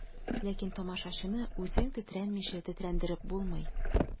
Ләкин тамашачыны үзең тетрәнмичә тетрәндереп булмый.